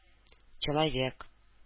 Человек